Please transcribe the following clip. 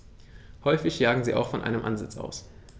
Häufig jagen sie auch von einem Ansitz aus.